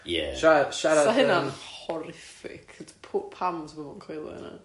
Sia- siarad yn... 'Sa hynna'n horrific, p- pam 'sa pobl'n coelio hynna?